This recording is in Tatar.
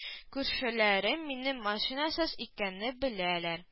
Күршеләрем минем машинасыз икәнне беләләр